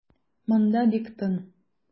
Монда бик тын.